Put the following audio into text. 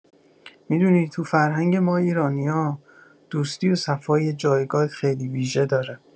می‌دونی، تو فرهنگ ما ایرانیا، دوستی و صفا یه جایگاه خیلی ویژه داره.